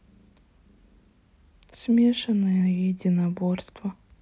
смешанные единоборства